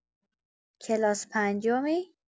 کلاس پنجمی؟